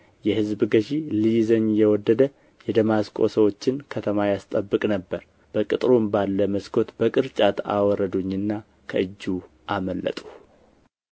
የሕዝብ ገዥ ሊይዘኝ እየወደደ የደማስቆ ሰዎችን ከተማ ያስጠብቅ ነበር በቅጥሩም ባለ መስኮት በቅርጫት አወረዱኝና ከእጁ አመለጥሁ